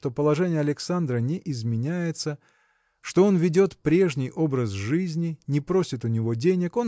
что положение Александра не изменяется что он ведет прежний образ жизни не просит у него денег